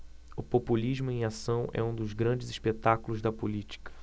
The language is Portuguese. o populismo em ação é um dos grandes espetáculos da política